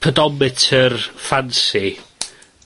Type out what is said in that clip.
pedometer ffansi.